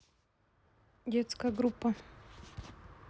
детская группа